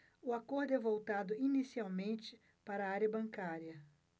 o acordo é voltado inicialmente para a área bancária